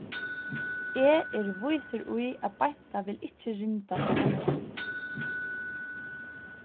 eg eri vísur í at beinta vil ikki rinda so nógv